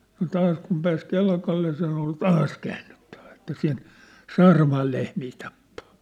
no taas kun pääsi Kelkalle sen oli taas käännyttävä että sen Saaramaan lehmiä tappaa